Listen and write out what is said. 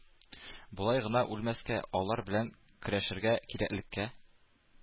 Болай гына үлмәскә, алар белән көрәшергә кирәклеккә